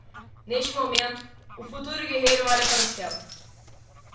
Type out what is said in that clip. neste momento o futuro guerreiro olha para o céu